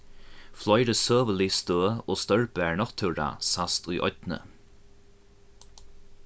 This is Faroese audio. fleiri søgulig støð og stórbær náttúra sæst í oynni